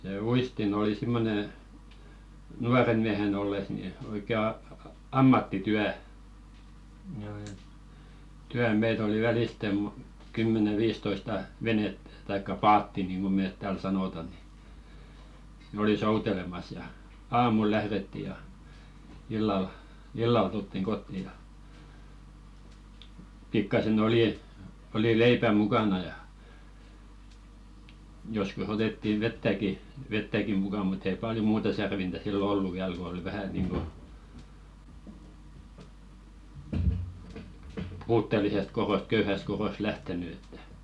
se uistin oli semmoinen nuorena miehenä ollessa niin oikein --- ammattityö - meitä oli välisten - kymmenen viisitoista venettä tai paattia niin kuin me täällä sanotaan niin ne oli soutelemassa ja aamulla lähdettiin ja illalla illalla tultiin kotiin ja pikkuisen oli oli leipää mukana ja joskus otettiin vettäkin vettäkin mukaan mutta ei paljon muuta särvintä silloin ollut vielä kun oli vähän niin kuin puutteellisesta kodosta köyhästä kodosta lähtenyt että